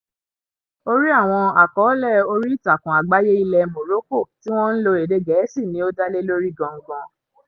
Orí àwọn àkọọ́lẹ̀ oríìtakùn àgbáyé ilẹ̀ Morocco tí wọ́n ń lo èdè Gẹ̀ẹ́sì ní ó dá lé lórí gangan.